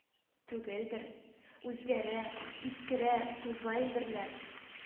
Түгелдер. Үзгәрә, искерә, туза әйберләр